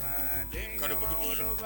A den caman wolo ba